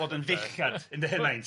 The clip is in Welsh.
Bod yn feichiad yn dy henaint?